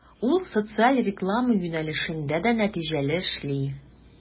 Ул социаль реклама юнәлешендә дә нәтиҗәле эшли.